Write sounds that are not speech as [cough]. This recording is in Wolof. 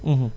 [hesitation] [hesitation]